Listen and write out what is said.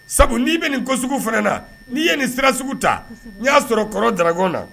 Sabu n'i bɛ nin sugu fana na n'i ye nin sira sugu ta n'i y'a sɔrɔ kɔrɔ jaraɔn na